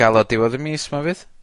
...ga'l o diwedd y mis 'ma fydd?